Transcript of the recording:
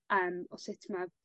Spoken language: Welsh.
Yym o sut ma'r